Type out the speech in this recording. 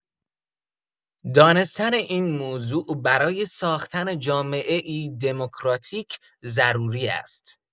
دانستن این موضوع برای ساختن جامعه‌ای دموکراتیک ضروری است.